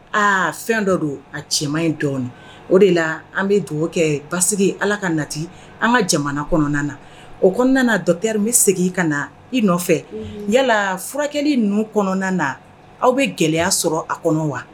Aa fɛn dɔ don a cɛ in dɔɔnin o de la an bɛ dugawu kɛ basi ala ka nati an ka jamana kɔnɔna na o kɔnɔna dɔri bɛ segin ka na i nɔfɛ yala furakɛ ninnu kɔnɔna na aw bɛ gɛlɛya sɔrɔ a kɔnɔ wa